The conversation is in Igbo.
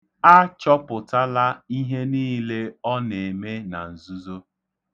A chọpụtala ihe niile ọ na-eme na nzuzo.